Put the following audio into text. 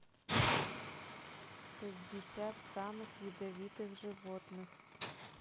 пятьдесят самых ядовитых животных